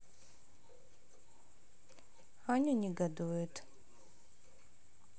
аня негодует